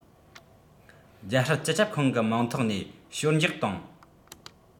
རྒྱལ སྲིད སྤྱི ཁྱབ ཁང གི མིང ཐོག ནས ཞོལ འཇགས བཏང